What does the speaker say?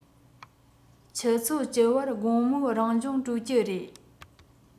ཆུ ཚོད བཅུ པར དགོང མོའི རང སྦྱོང གྲོལ གྱི རེད